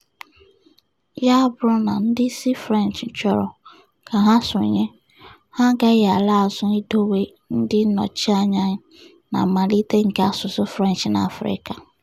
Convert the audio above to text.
Ya bụrụ na ndị isi French chọrọ ka ha sonye, ha agaghị ala azụ idowe ndị nnọchianya na mmalite nke asụsụ French n'Afrịka.